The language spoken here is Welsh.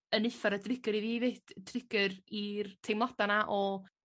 yn iffar o drigger i fi 'fyd. Trigger i'r teimlada 'na o